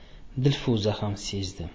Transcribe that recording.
dilfuza xam sezdi